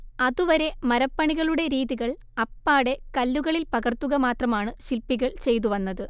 അതുവരെ മരപ്പണികളുടെ രീതികൾ അപ്പാടെ കല്ലുകളിൽ പകർത്തുക മാത്രമാണ് ശില്പികൾ ചെയ്തുവന്നത്